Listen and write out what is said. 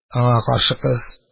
Аңа каршы кыз